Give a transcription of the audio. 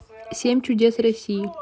семь чудес россии